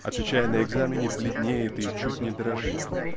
отвечая на экзамене, бледнеет и чуть не дрожит